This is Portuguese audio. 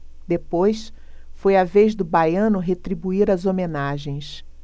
depois foi a vez do baiano retribuir as homenagens